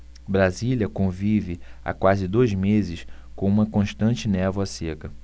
brasília convive há quase dois meses com uma constante névoa seca